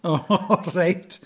O ... reit!